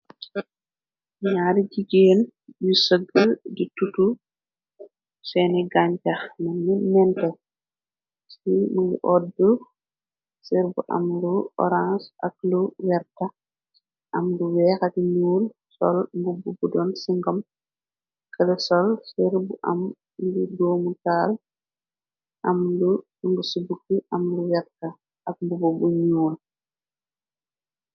Nyaari jigéen yu sëgge di tutu seeni gañchax menni neente ci nugi oddu ser bu am lu orange ak lu wertac am lu weexati ñuul sol mbubu budoon singom kële sol ser bu am li doomu taal am lu ngu ci bukki am lu werta ak bu bobu ñyuul.